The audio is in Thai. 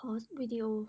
พอสวีดีโอ